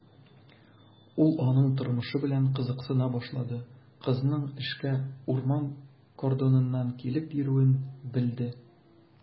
Ул аның тормышы белән кызыксына башлады, кызның эшкә урман кордоныннан килеп йөрүен белде.